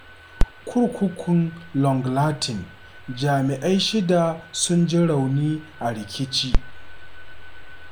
Kurkukun Long Lartin: Jami’ai shida sun ji rauni a rikici